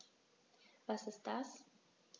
Was ist das?